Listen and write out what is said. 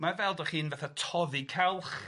ma' fel dach chi'n fatha toddi calch,